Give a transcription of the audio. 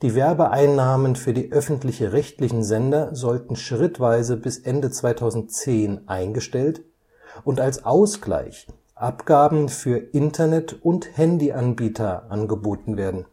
Werbe-Einnahmen für die öffentlich-rechtlichen Sender sollten schrittweise bis Ende 2010 eingestellt und als Ausgleich Abgaben für Internet und Handyanbieter angeboten werden